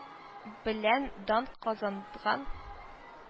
Белән дан казанган